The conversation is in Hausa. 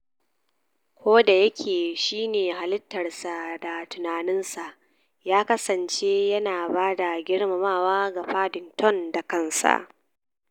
Ko da yake shi ne halittarsa da tunaninsa, ya kasance yana ba da girmamawa ga Paddington da kansa."